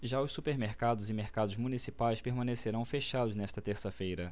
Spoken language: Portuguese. já os supermercados e mercados municipais permanecerão fechados nesta terça-feira